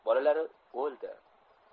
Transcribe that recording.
bolalari o'ldi